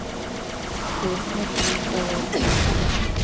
песня три колодца